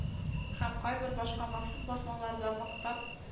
Һәм кайбер башка махсус басмаларда мактап